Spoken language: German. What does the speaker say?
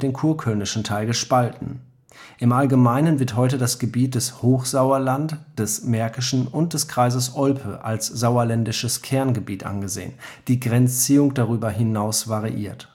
kurkölnischen Teil gespalten. Im Allgemeinen wird heute das Gebiet des Hochsauerland -, des Märkischen und des Kreises Olpe als sauerländisches Kerngebiet angesehen; die Grenzziehung darüber hinaus variiert